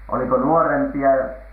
oliko nuorempia ja